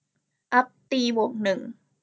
อัพตีบวกหนึ่ง